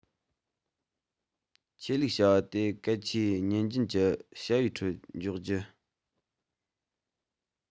ཆོས ལུགས བྱ བ དེ གལ ཆེ བའི ཉིན རྒྱུན གྱི བྱ བའི ཁྲོད འཇོག དགོས